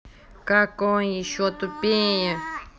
какой еще тупее